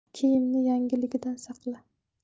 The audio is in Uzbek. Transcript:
kiyimni yangiligidan saqla